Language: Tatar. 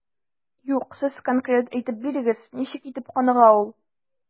Юк, сез конкрет әйтеп бирегез, ничек итеп каныга ул?